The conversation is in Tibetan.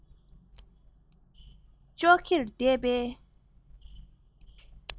ཙོག གེར སྡོད པའི